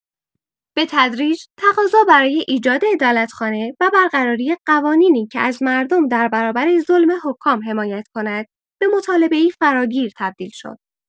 به‌تدریج تقاضا برای ایجاد عدالت‌خانه و برقراری قوانینی که از مردم در برابر ظلم حکام حمایت کند، به مطالبه‌ای فراگیر تبدیل شد.